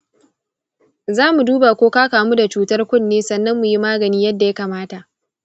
za mu duba ko ka kamu da cutar kunne sannan mu yi magani yadda ya kamata.